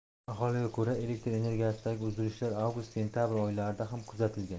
aholiga ko'ra elektr energiyasidagi uzilishlar avgust sentabr oylarida ham kuzatilgan